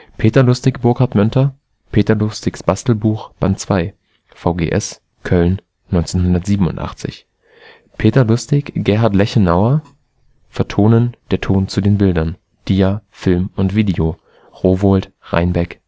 Peter Lustig, Burckhard Mönter: Peter Lustigs Bastelbuch. Band 2, vgs, Köln 1987, ISBN 3-8025-5041-2. Peter Lustig, Gerhard Lechenauer: Vertonen. Der Ton zu den Bildern. Dia, Film und Video. Rowohlt, Reinbek